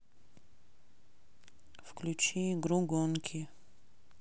включи игру гонки